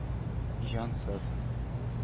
Җансыз